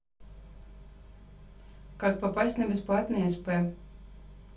как попасть на бесплатный сп